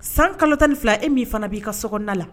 San kalo tan ni fila e min fana b'i ka soda la